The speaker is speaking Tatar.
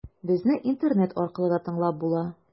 Безне интернет аркылы да тыңлап була.